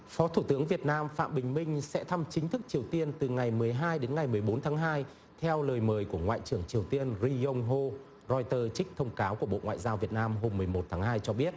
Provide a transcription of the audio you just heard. phó thủ tướng việt nam phạm bình minh sẽ thăm chính thức triều tiên từ ngày mười hai đến ngày mười bốn tháng hai theo lời mời của ngoại trưởng triều tiên ri ông hô roai tơ trích thông cáo của bộ ngoại giao việt nam hôm mười một tháng hai cho biết